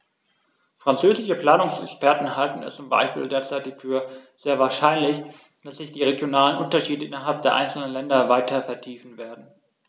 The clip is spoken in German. Französische Planungsexperten halten es zum Beispiel derzeit für sehr wahrscheinlich, dass sich die regionalen Unterschiede innerhalb der einzelnen Länder weiter vertiefen werden.